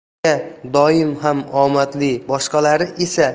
nega doim ham omadli boshqalari esa